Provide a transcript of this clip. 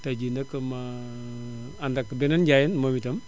tey jii nag ma ànd ak beneen njaayeen moom itam